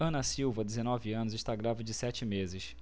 ana silva dezenove anos está grávida de sete meses